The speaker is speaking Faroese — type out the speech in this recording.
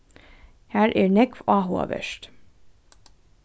har er nógv áhugavert